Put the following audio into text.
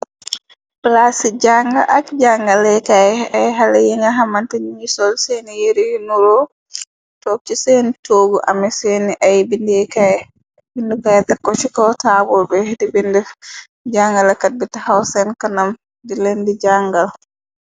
Plaas ci jàngal ak jàngaleekaay ay xale yi nga xamante ñuñi sol seeni yaru yu nuroo. Toog ci seeni toogu ame seeni ay bindekaay bindu kaay. Tako ci ko taabul bi di bind. Jàngalakat bi taxaw seen kanam dileen di jangal.